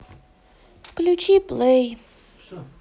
включи плей